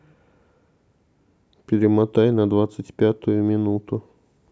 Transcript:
перемотай на двадцать пятую минуту